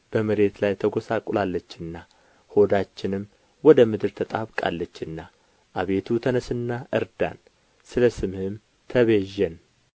በመሬት ላይ ተጐሳቍላለችና ሆዳችንም ወደ ምድር ተጣብቃለችና አቤቱ ተነሥና እርዳን ስለ ስምህም ተቤዠን